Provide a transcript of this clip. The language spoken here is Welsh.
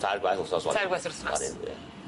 Tair gwaith wsos 'wan. Tair gwaith yr wthnos.